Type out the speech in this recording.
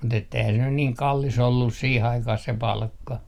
mutta että eihän se nyt niin kallis ollut siihen aikaan se palkka